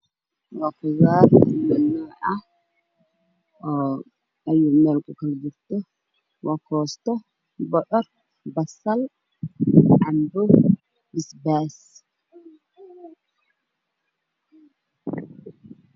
Waa qudaar isku kugu jirto ayu nooc koosto, basal, babanooni